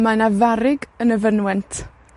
ma' 'na farrug yn y fynwent,